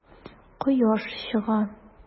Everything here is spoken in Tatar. Кояш чыга.